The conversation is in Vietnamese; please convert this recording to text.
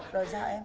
rồi sao em